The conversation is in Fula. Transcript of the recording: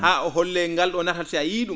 haa o hollee ngal?oo natal si a yiyii ?um